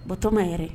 Batɔɔma yɛrɛ